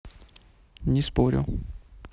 не спорю